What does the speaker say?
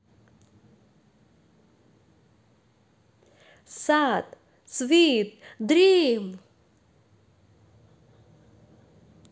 sad sweet dream